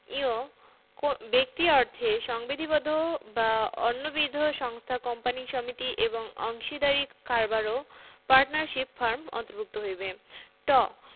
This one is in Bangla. ঞ ব্যক্তি অর্থে সংবিধিবদ্ধ বা অন্যবিধ সংস্থা কোম্পানী সমিতি এবং অংশীদারী কারবারও পার্টনারশিপ ফার্ম অন্তর্ভুক্ত হইবে ট